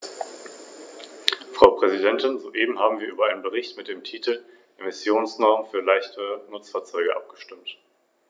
Drittens möchte ich anmerken, dass wir mit den Leitlinien im großen und ganzen einverstanden sind, soweit sie nicht von unseren Bemerkungen abweichen.